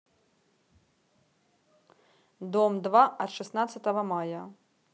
дом два от шестнадцатого мая